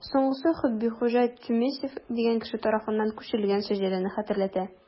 Соңгысы Хөббихуҗа Тюмесев дигән кеше тарафыннан күчерелгән шәҗәрәне хәтерләтә.